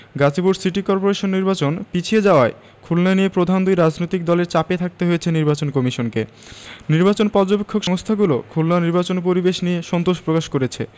Gazipur city corporation নির্বাচন পিছিয়ে যাওয়ায় খুলনা নিয়ে প্রধান দুই রাজনৈতিক দলের চাপে থাকতে হয়েছে নির্বাচন কমিশনকে নির্বাচন পর্যবেক্ষক সংস্থাগুলো খুলনার নির্বাচনী পরিবেশ নিয়ে সন্তোষ প্রকাশ করেছে